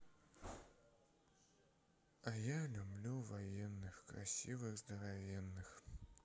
а я люблю военных красивых здоровенных